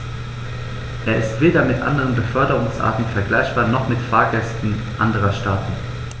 Er ist weder mit anderen Beförderungsarten vergleichbar, noch mit Fahrgästen anderer Staaten.